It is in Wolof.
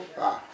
waaw